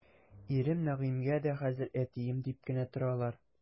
Ирем Нәгыймгә дә хәзер әтием дип кенә торалар.